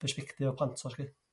persbectif y plant 'ma 'lly.